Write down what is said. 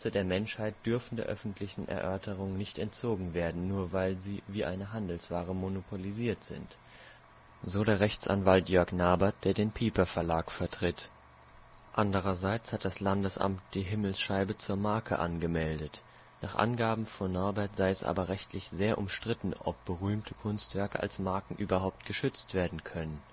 der Menschheit dürfen der öffentlichen Erörterung nicht entzogen werden, nur weil sie wie eine Handelsware monopolisiert sind” – so der Rechtsanwalt Jörg Nabert, der den Piper Verlag vertritt. Andererseits hat das Landesamt die Himmelsscheibe zur Marke angemeldet; nach Angaben von Nabert sei es aber rechtlich sehr umstritten, ob berühmte Kunstwerke als Marken überhaupt geschützt werden können